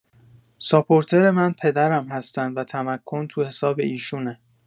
ساپورتر من پدرم هستن و تمکن تو حساب ایشونه